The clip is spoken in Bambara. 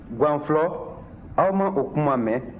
gwanflɔ aw ma o kuma mɛn